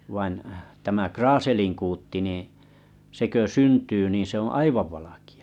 vain tämä kraaselinkuutti niin se kun syntyy niin se on aivan valkea